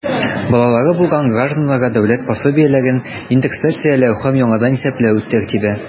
Балалары булган гражданнарга дәүләт пособиеләрен индексацияләү һәм яңадан исәпләү тәртибе.